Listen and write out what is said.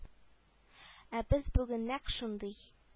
Ә без бүген нәкъ шундый